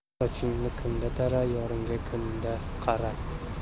sochingni kunda tara yoringga kunda qara